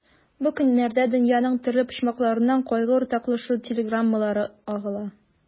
Бу көннәрдә дөньяның төрле почмакларыннан кайгы уртаклашу телеграммалары агыла.